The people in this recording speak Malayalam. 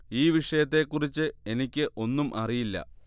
ഈ വിഷയത്തെക്കുറിച്ച് എനിക്ക് ഒന്നും അറിയില്ല